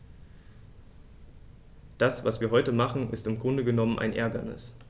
Das, was wir heute machen, ist im Grunde genommen ein Ärgernis.